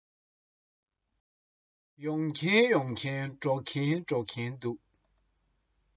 ཡོང གིན ཡོང གིན འགྲོ གིན འགྲོ གིན འདུག